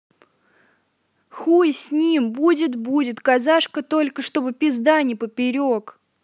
хуй с ним будет будет казашка только чтобы пизда не поперек